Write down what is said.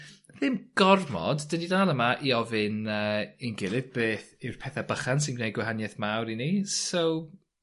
ddim gormod 'dyn ni dal yma i ofyn yy i'n gilydd beth yw'r pethe bychan sy'n gwneud gwahanieth mawr i ni so